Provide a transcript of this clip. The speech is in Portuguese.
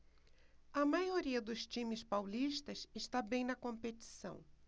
a maioria dos times paulistas está bem na competição